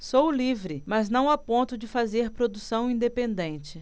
sou livre mas não a ponto de fazer produção independente